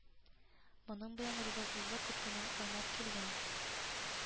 Моның белән ризасызлык күптәннән кайнап килгән